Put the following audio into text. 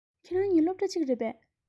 ཁྱེད རང གཉིས སློབ གྲ གཅིག རེད པས